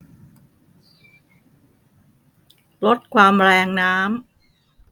ลดความแรงน้ำ